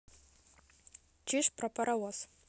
чиж про паровоз